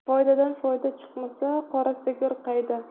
foydadan foyda chiqmasa qora sigir qayda